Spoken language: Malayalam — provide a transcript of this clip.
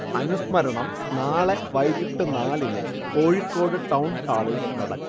അനുസ്മരണം നാളെ വൈകിട്ട് നാലിന് കോഴിക്കോട് ടൗൺഹാളിൽ നടക്കും